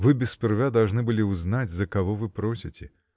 -- Вы бы сперва должны были узнать, за кого вы просите.